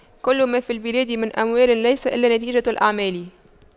كل ما في البلاد من أموال ليس إلا نتيجة الأعمال